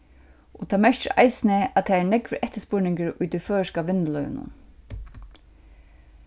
og tað merkir eisini at tað er nógvur eftirspurningur í tí føroyska vinnulívinum